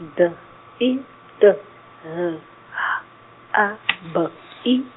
D I T L H A B I.